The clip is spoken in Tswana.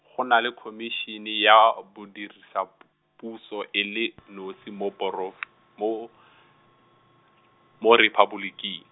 go na le Khomisene ya a Badiredip- puso e le, nosi mo boro , mo o , mo Rephaboliking.